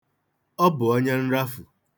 Ọ bụ onye nrafu.